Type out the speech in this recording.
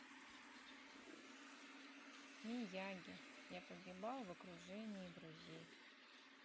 miyagi я погибал в окружении друзей